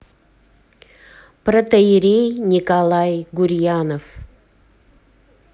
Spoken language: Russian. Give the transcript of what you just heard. протоирей николай гурьянов